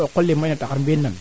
manaam ma foofi yoomb na daaga